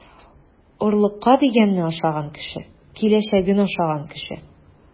Орлыкка дигәнне ашаган кеше - киләчәген ашаган кеше.